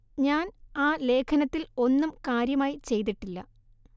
ഞാൻ ആ ലേഖനത്തിൽ ഒന്നും കാര്യമായി ചെയ്തിട്ടില്ല